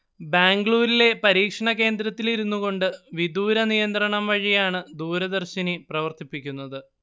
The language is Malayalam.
ബാംഗ്ലൂരിലെ പരീക്ഷണ കേന്ദ്രത്തിലിരുന്നുകൊണ്ട് വിദൂരനിയന്ത്രണം വഴിയാണ് ദൂരദർശിനി പ്രവർത്തിപ്പിക്കുന്നത്